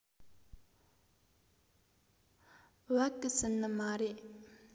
བབ གི སུན ནི མ རེད